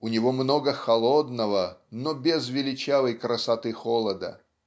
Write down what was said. У него - много холодного, но без величавой красоты холода.